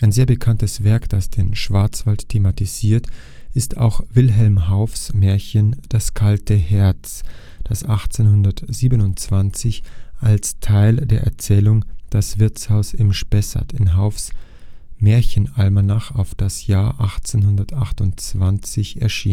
sehr bekanntes Werk, das den Schwarzwald thematisiert, ist auch Wilhelm Hauffs Märchen Das kalte Herz, das 1827 als Teil der Erzählung Das Wirtshaus im Spessart in Hauffs „ Märchenalmanach auf das Jahr 1828 “erschien